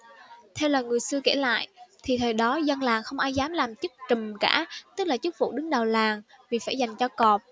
theo lời người xưa kể lại thì thời đó dân làng không ai dám làm chức trùm cả tức là chức vụ đứng đầu làng vì phải dành cho cọp